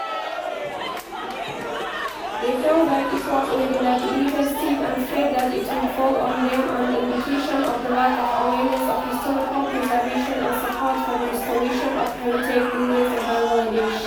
They felt that it was in a dilapidated state and feared that it would fall down on them—an indication of the lack of awareness of historical preservation and support for the restoration of heritage buildings in Bangladesh.